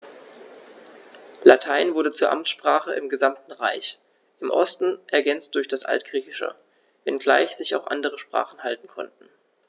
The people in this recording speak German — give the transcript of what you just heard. Latein wurde zur Amtssprache im gesamten Reich (im Osten ergänzt durch das Altgriechische), wenngleich sich auch andere Sprachen halten konnten.